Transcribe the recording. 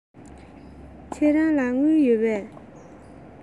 ཁྱེད རང ལ དངུལ ཡོད པས